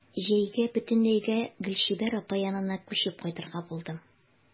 Җәйгә бөтенләйгә Гөлчибәр апа янына күчеп кайтырга булдым.